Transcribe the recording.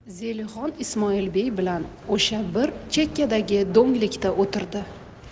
zelixon ismoilbey bilan o'sha bir chekkadagi do'nglikda o'tirdi